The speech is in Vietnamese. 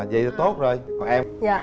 thì tốt rồi còn em